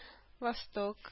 Восток